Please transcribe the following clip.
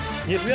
nhiệt huyết